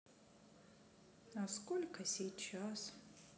а сколько сейчас